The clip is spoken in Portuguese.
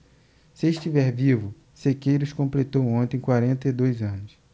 se estiver vivo sequeiros completou ontem quarenta e dois anos